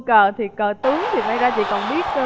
cờ thì cờ tướng thì may ra chị còn biết